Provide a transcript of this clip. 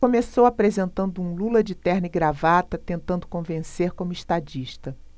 começou apresentando um lula de terno e gravata tentando convencer como estadista